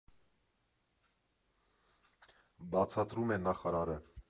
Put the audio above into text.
Բացատրում է նախարարը.